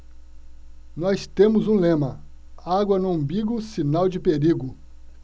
nós temos um lema água no umbigo sinal de perigo